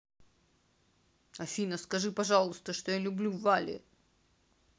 афина скажи пожалуйста что я люблю вали